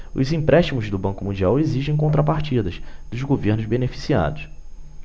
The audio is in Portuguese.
os empréstimos do banco mundial exigem contrapartidas dos governos beneficiados